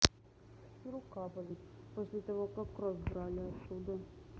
и рука болит после того как кровь брали оттуда